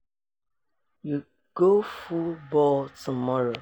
You go full bore tomorrow.